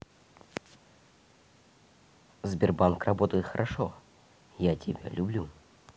сбербанк работает хорошо я тебя люблю